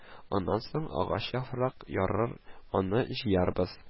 Аннан соң агач яфрак ярыр, аны җыярбыз